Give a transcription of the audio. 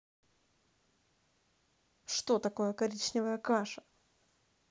что такое коричневая каша